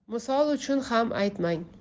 misol uchun ham aytmang